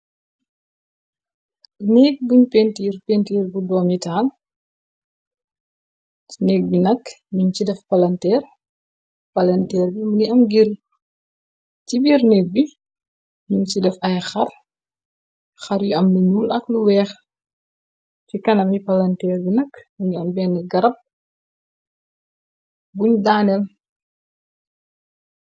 nékk buñ pentiir pentiir bu doo mitaal nek bi nakk muñ ci daf palantëer bi muni am gir ci biir nekk bi muñ ci daf ay xar xar yu am linul ak lu weex ci kana mi palanteer bi nakk muni am benn garab buñu daaneel